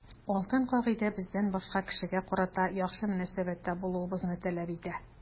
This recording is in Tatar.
Алтын кагыйдә бездән башка кешегә карата яхшы мөнәсәбәттә булуыбызны таләп итә.